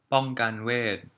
ป้องกันเวท